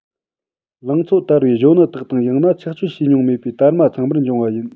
ལང ཚོ དར བའི གཞོན ནུ དག དང ཡང ན ཆགས སྤྱོད བྱས མྱོང མེད པའི དར མ ཚང མར འབྱུང བ ཡིན